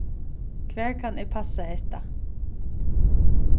hvar kann eg passa hetta